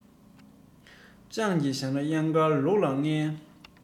སྤྱང ཀི བཞག ན གཡང དཀར ལུག ལ ངན